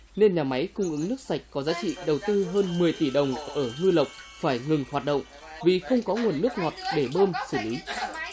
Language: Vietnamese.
nên nhà máy cung ứng nước sạch có giá trị đầu tư hơn mười tỷ đồng ở ngư lộc phải ngừng hoạt động vì không có nguồn nước ngọt để bơm xử lý